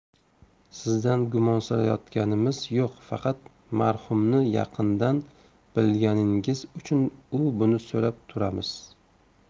sizdan gumonsirayotganimiz yo'q faqat marhumni yaqindan bilganingiz uchun u buni so'rab turamiz